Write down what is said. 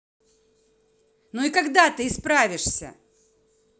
ну и когда ты исправишься